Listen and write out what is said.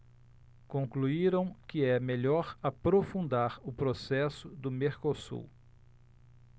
concluíram que é melhor aprofundar o processo do mercosul